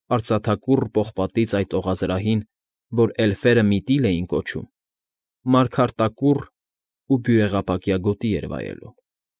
Արծաթակուռ պողպատից այդ օղազրահին, որ էլֆերը միտրիլ էին կոչում, մարգարտակուռ ու բյուրեղապակյա գոտի էր վայելում։